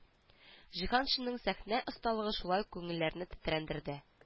Җиһаншинның сәхнә осталыгы шулай ук күңелләрне тетрәндерде